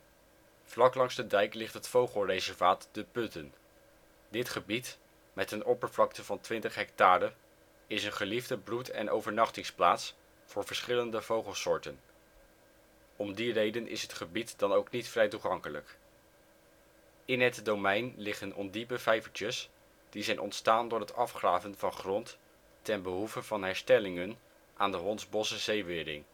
Vlak langs de dijk ligt het vogelreservaat De Putten. Dit gebied, met een oppervlakte van 20 hectare, is een geliefde broed - en overnachtingsplaats voor verschillende vogelsoorten. Om die reden is het gebied dan ook niet vrij toegankelijk. In het domein liggen ondiepe vijvertjes, die zijn ontstaan door het afgraven van grond ten behoeve van herstellingen aan de Hondsbossche Zeewering